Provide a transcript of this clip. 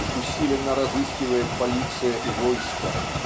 их усиленно разыскивает полиция и войско.